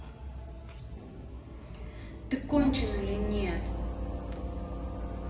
ты кончен или нет